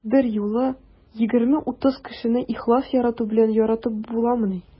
Берьюлы 20-30 кешене ихлас ярату белән яратып буламыни?